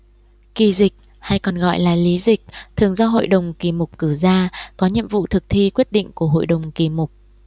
kỳ dịch hay còn gọi là lý dịch thường do hội đồng kỳ mục cử ra có nhiệm vụ thực thi quyết định của hội đồng kỳ mục